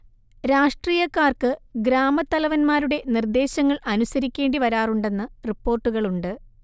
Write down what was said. രാഷ്ട്രീയക്കാർക്ക് ഗ്രാമത്തലവന്മാരുടെ നിർദ്ദേശങ്ങൾ അനുസരിക്കേണ്ടിവരാറുണ്ടെന്ന് റിപ്പോർട്ടുകളുണ്ട്